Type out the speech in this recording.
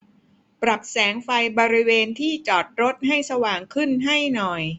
ปรับแสงไฟบริเวณที่จอดรถให้สว่างขึ้นให้หน่อย